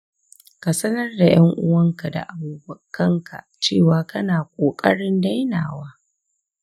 ka sanar da ‘yan uwanka da abokanka cewa kana ƙoƙarin dainawa.